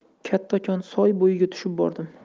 kattakon soy bo'yiga tushib bordim